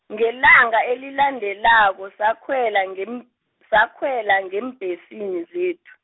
Ngelanga elilandelako sakhwela ngem-, sakhwela ngeembhesini zethu.